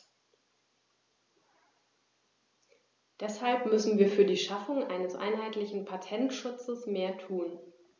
Deshalb müssen wir für die Schaffung eines einheitlichen Patentschutzes mehr tun.